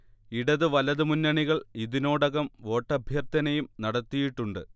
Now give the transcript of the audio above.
ഇടത് വലത് മുന്നണികൾ ഇതിനോടകം വോട്ടഭ്യർത്ഥനയും നടത്തിയിട്ടുണ്ട്